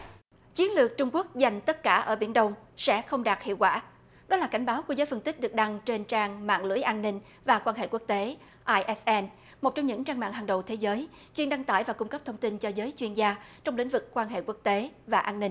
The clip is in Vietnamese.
chiến lược trung quốc dành tất cả ở biển đông sẽ không đạt hiệu quả đó là cảnh báo của giới phân tích được đăng trên trang mạng lưới an ninh và quan hệ quốc tế ai ét en một trong những trang mạng hàng đầu thế giới chuyên đăng tải và cung cấp thông tin cho giới chuyên gia trong lĩnh vực quan hệ quốc tế và an ninh